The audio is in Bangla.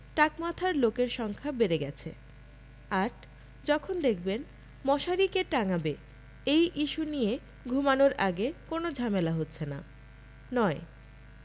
টাক মাথার লোকের সংখ্যা বেড়ে গেছে ৮. যখন দেখবেন মশারি কে টাঙাবে এই ইস্যু নিয়ে ঘুমানোর আগে কোনো ঝামেলা হচ্ছে না ৯